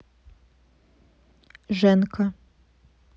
женка